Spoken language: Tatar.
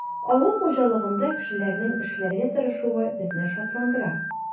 Авыл хуҗалыгында кешеләрнең эшләргә тырышуы безне шатландыра.